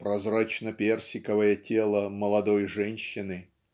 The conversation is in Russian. прозрачно-персиковое тело" молодой женщины.